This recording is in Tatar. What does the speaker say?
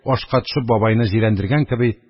Ашка төшеп бабайны җирәндергән кеби,